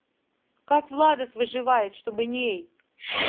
как владас выживает штобы ней